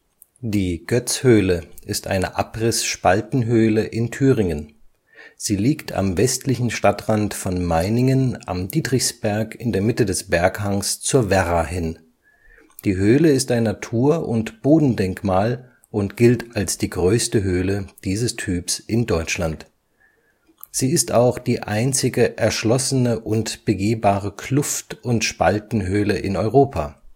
Die Goetz-Höhle ist eine Abriss-Spaltenhöhle in Thüringen. Sie liegt am westlichen Stadtrand von Meiningen am Dietrichsberg in der Mitte des Berghangs zur Werra hin. Die Höhle ist ein Natur - und Bodendenkmal und gilt als die größte Höhle dieses Typs in Deutschland. Sie ist auch die einzige erschlossene und begehbare Kluft - und Spaltenhöhle in Europa